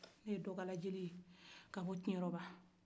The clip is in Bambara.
ne ye dɔkala jeli ye ka bɔ kiɲɛrɔba